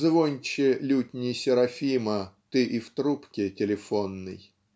Звонче лютни серафима Ты и в трубке телефонной.